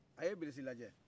a bilisi lajɛ